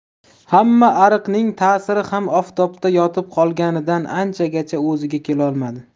ham araqning tasiri ham oftobda yotib qolganidan anchagacha o'ziga kelolmadi